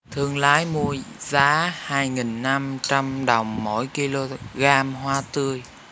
thương lái mua giá hai nghìn năm trăm đồng mỗi ki lô gam hoa tươi